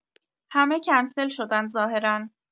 همه کنسل شدن ظاهرا